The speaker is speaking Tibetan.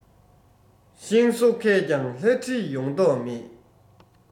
ཤིང བཟོ མཁས ཀྱང ལྷ བྲིས ཡོང མདོག མེད